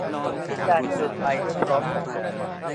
เปิดสัญญาณเตือนภัยให้พร้อมทำงาน